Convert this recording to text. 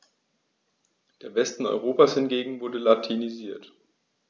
Der Westen Europas hingegen wurde latinisiert.